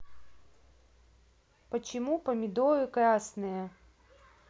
почему помидоры красные